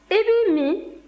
i b'i min